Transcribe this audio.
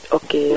ok